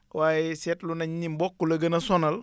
waaye seetlu nañ ni mboq la gën a sonal